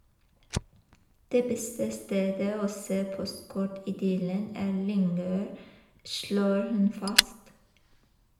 - Det beste stedet å se postkort-idyllen, er Lyngør, slår hun fast.